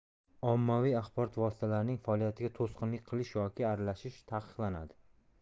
ommaviy axborot vositalarining faoliyatiga to'sqinlik qilish yoki aralashish taqiqlanadi